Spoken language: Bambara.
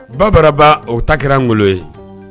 Banbaraba, o ta kɛra ngɔlo ye.